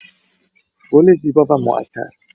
گل زیبا و معطر